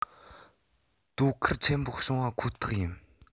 དོ ཁུར ཆེན པོ བྱུང བ ཁོ ཐག ཡིན